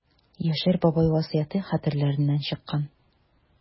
Яшәр бабай васыяте хәтерләреннән чыккан.